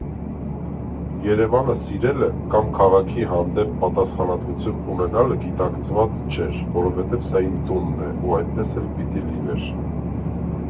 Երևանը սիրելը, կամ քաղաքի հանդեպ պատասխանատվություն ունենալը գիտակցված չէր, որովհետև սա իմ տունն է ու այդպես էլ պիտի լիներ։